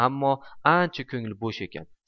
ammo ancha ko'ngli bo'sh ekan